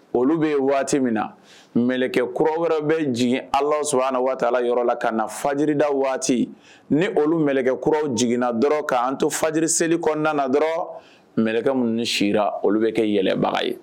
Olu bɛ yen waati min na mkɛ kura wɛrɛ bɛ jigin ala s na waatila yɔrɔ la ka na fajida waati ni olu mkɛ kuraw jiginna dɔrɔn k'an to fajiri selieli kɔnɔna kɔnɔna na dɔrɔn m minnu ni sira olu bɛ kɛ yɛlɛbaga ye